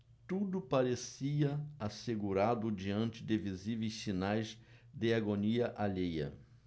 tudo parecia assegurado diante de visíveis sinais de agonia alheia